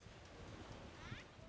беславные ублюдки